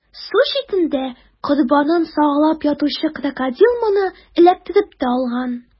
Су читендә корбанын сагалап ятучы Крокодил моны эләктереп тә алган.